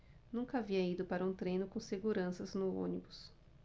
nunca havia ido para um treino com seguranças no ônibus